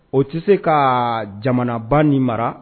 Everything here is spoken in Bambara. O tɛ se ka jamanaba ni mara